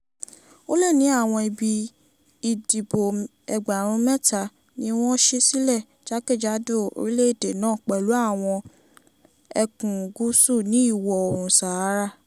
Ó lé ní àwọn ibi ìdìbò 30,000 ni wọ́n ṣí sílẹ̀ jákèjádò orílẹ̀-èdè náà pẹ̀lú àwọn ẹkùn gúúsù ní Ìwọ̀-oòrùn Sahara.